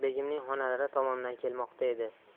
begimning xonalari tomondan kelmoqda edi